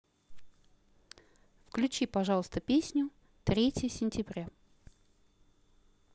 включи пожалуйста песню третье сентября